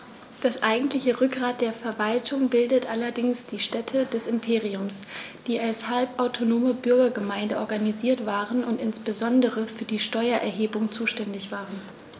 Das eigentliche Rückgrat der Verwaltung bildeten allerdings die Städte des Imperiums, die als halbautonome Bürgergemeinden organisiert waren und insbesondere für die Steuererhebung zuständig waren.